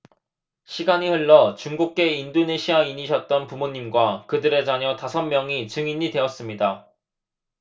시간이 흘러 중국계 인도네시아인이셨던 부모님과 그들의 자녀 다섯 명이 증인이 되었습니다